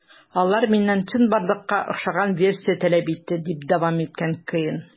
Алар миннән чынбарлыкка охшаган версия таләп итте, - дип дәвам иткән Коэн.